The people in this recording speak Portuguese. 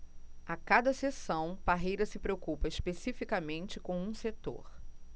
a cada sessão parreira se preocupa especificamente com um setor